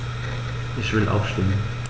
Ich will aufstehen.